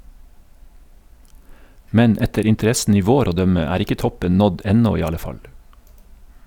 Men etter interessen i vår å dømme er ikke toppen nådd ennå i alle fall.